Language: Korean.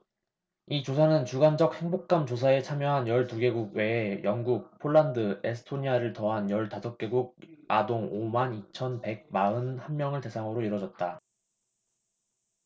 이 조사는 주관적 행복감 조사에 참여한 열 두 개국 외에 영국 폴란드 에스토니아를 더한 열 다섯 개국 아동 오 만 이 천 백 마흔 한 명을 대상으로 이뤄졌다